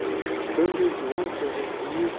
ko'hlik juvon ko'zimga